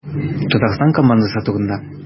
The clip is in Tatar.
Татарстан командасы турында.